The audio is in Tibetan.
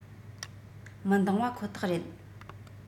མི འདང བ ཁོ ཐག རེད